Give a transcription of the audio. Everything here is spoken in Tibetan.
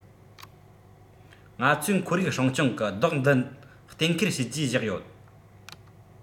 ང ཚོས ཁོར ཡུག སྲུང སྐྱོང གི རྡོག འདི གཏན འཁེལ བྱས རྗེས བཞག ཡོད